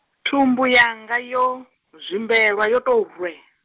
thumbu yanga yo, zwimbelwa yo tou rwe.